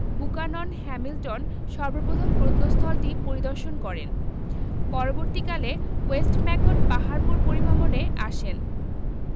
Buchanan Hamilton সর্ব প্রথম প্রত্নস্থলটি পরিদর্শন করেন পরবর্তীকালে ওয়েস্টম্যাকট পাহাড়পুর পরিভ্রমণে আসেন